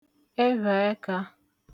ẹvhàẹkā